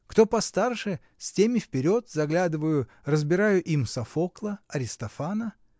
Кто постарше, с теми вперед заглядываю, разбираю им Софокла, Аристофана.